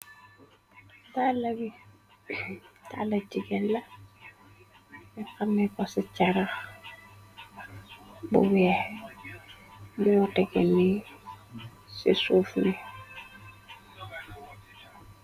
Tala jigel la ni xame ko ca carax bu weex ñoo tegeni ci suuf ni.